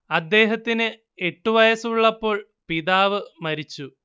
അദ്ദേഹത്തിന് എട്ടു വയസ്സുള്ളപ്പോൾ പിതാവ് മരിച്ചു